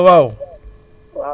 waaw